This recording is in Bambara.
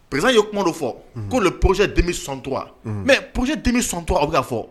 Pzsa ye kuma dɔ fɔ k'o de pze dimi sɔntɔ mɛ pzsi dimi sɔntɔ aw'a fɔ